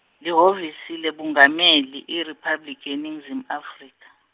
Lihhovisi leBungameli, IRiphabliki yeNingizimu Afrika.